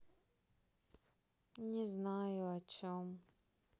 не знаю о чем